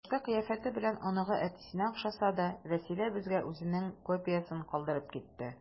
Тышкы кыяфәте белән оныгы әтисенә охшаса да, Вәсилә безгә үзенең копиясен калдырып китте.